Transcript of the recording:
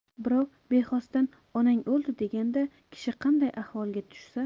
birov bexosdan onang o'ldi deganda kishi qanday ahvolga tushsa